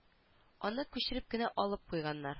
Аны күчереп кенә алып куйганнар